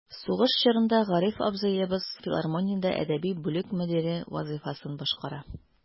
Сугыш чорында Гариф абзыебыз филармониядә әдәби бүлек мөдире вазыйфасын башкара.